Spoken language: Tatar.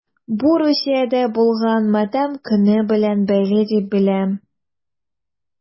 Бу Русиядә булган матәм көне белән бәйле дип беләм...